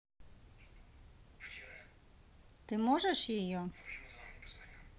ты можешь ее